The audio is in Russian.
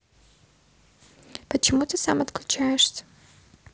почему ты сам отключаешься